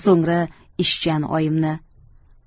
so'ngra ishchan oyimni